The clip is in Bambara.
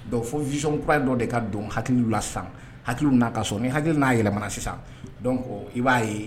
Donc fɔ vision kura dɔ de ka don hakiliw la sisan hakili n'a ka sɔn , ni hakili n'a yɛlɛmana sisan donc i b'a ye